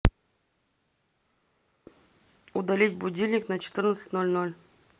удалить будильник на четырнадцать ноль ноль